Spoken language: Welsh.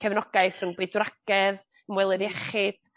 cefnogaeth rhwng bydwragedd, ymwelydd iechyd